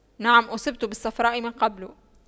نعم اصبت بالصفراء من قبل